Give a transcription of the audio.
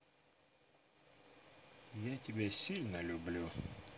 я тебя сильно люблю